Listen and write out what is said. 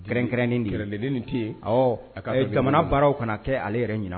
Kɛrɛnkɛrɛnnen ni tɛ yen, ɔhɔ,a jamana baaraw kana kɛ ale yɛrɛ ɲina ma